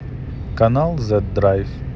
канал зет драйв